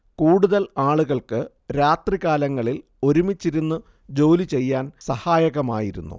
കൂടുതൽ ആളുകൾക്ക് രാത്രികാലങ്ങളിൽ ഒരുമിച്ചിരുന്നു ജോലിചെയ്യാൻ സഹായകമായിരുന്നു